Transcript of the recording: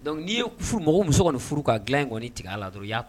Dɔnku n'i ye furu mako muso kɔni furu ka in kɔni tigɛ'a la dɔrɔn